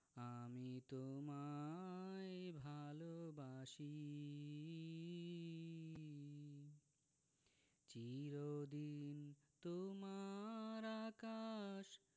আমি তোমায় ভালোবাসি চির দিন তোমার আকাশ